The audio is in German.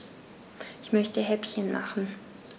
Ich möchte Häppchen machen.